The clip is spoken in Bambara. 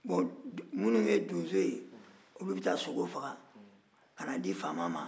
minnu ye donso ye u bɛ taa sogo faga ka n'a di faama ma